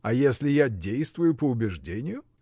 — А если я действую по убеждению?